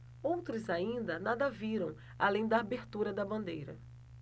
outros ainda nada viram além da abertura da bandeira